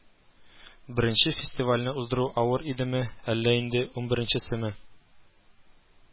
Беренче фестивальне уздыру авыр идеме әллә инде унберенчесенме